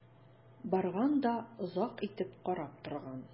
Барган да озак итеп карап торган.